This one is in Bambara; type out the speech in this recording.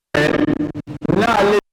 incoprehensible